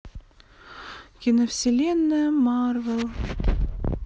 киновселенная марвел